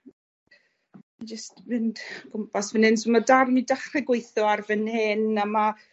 jyst fynd o gwmpas fyn 'yn, so ma' darn fi dachre gweitho ar fyn hyn a ma'